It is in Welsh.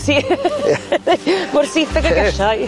Sy- mor syth ag y gallai.